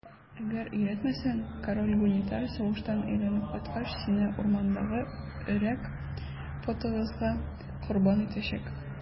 Әгәр өйрәтмәсәң, король Гунитар сугыштан әйләнеп кайткач, сине урмандагы Өрәк потыгызга корбан итәчәк.